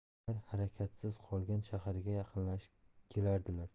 ular harakatsiz qolgan shaharga yaqinlashib kelardilar